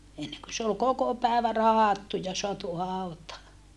ennen kuin se oli koko päivä rahdattu ja saatu hautaan